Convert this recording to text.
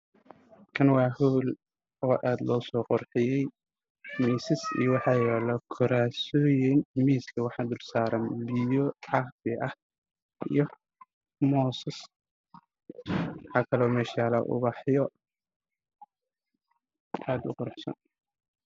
Halkan waxaa hool waxaa yaalla kuraas iyo miisaas midabkooda yahay caddaan darbiga waxaa ku dhigaan filinjeer cadaan ah